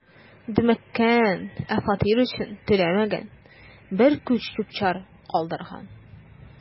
„дөмеккән, ә фатир өчен түләмәгән, бер күч чүп-чар калдырган“.